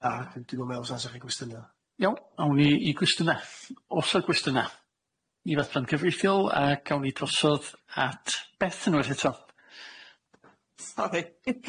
Na, dwi'm yn me'wl sa sa chi gwestiyna? Iawn, awn ni i gwestynath, os na gwestyna, i adran cyfreithiol, ac awn ni drosodd at Beth unwaith eto. Sori.